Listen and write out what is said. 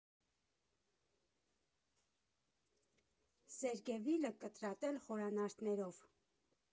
Սերկևիլը կտրատել խորանարդներով։